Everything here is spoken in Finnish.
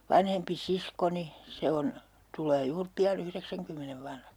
vanhempi siskoni se on tulee juuri pian yhdeksänkymmenen vanhaksi